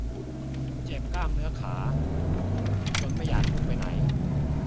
เจ็บกล้ามเนื้อขาจนไม่อยากลุกไปไหน